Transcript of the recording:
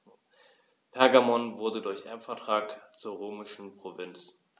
Pergamon wurde durch Erbvertrag zur römischen Provinz.